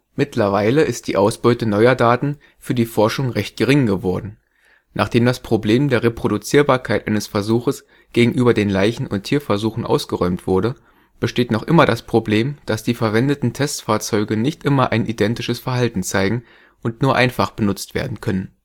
Mittlerweile ist die Ausbeute neuer Daten für die Forschung recht gering geworden. Nachdem das Problem der Reproduzierbarkeit eines Versuches gegenüber den Leichen - und Tierversuchen ausgeräumt wurde, besteht noch immer das Problem, dass die verwendeten Testfahrzeuge nicht immer ein identisches Verhalten zeigen und nur einfach benutzt werden können